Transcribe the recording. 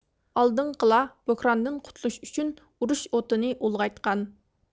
ئالدىنقىلار بۇھراندىن قۇتۇلۇش ئۈچۈن ئۇرۇش ئوتىنى ئۇلغايتقان